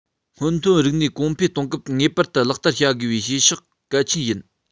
སྔོན ཐོན རིག གནས གོང འཕེལ གཏོང སྐབས ངེས པར དུ ལག བསྟར བྱ དགོས པའི བྱེད ཕྱོགས གལ ཆེན ཡིན